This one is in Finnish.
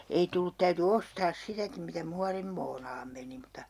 ei tullut täytyi ostaa sitäkin mitä muorinmuonaan meni mutta